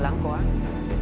lắng quá